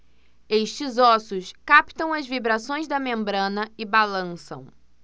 estes ossos captam as vibrações da membrana e balançam